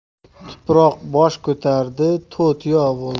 tuproq bosh ko'tardi to'tiyo bo'ldi